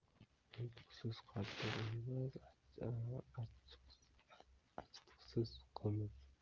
uyutqisiz qatiq uyumas achitqisiz qimiz